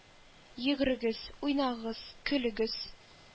Йөгрегез, уйнагыз, көлегез!